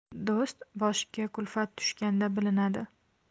do'st boshga kulfat tushganda bilinadi